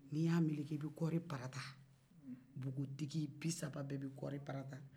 n'i y'a meleke i bɛ kɔɔri parata npogotigi bi saba bɛɛ bɛ kɔri parata